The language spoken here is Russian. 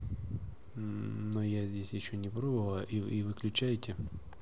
но я здесь еще не пробовала и выключайте